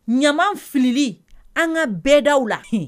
Ɲama filili an ka bɛɛda aw la